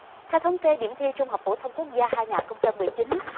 theo thống kê điểm thi trung học phổ thông quốc gia hai nghìn không trăm mười chín